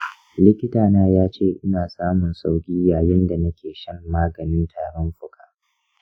likitana ya ce ina samun sauƙi yayin da nake shan maganin tarin fuka.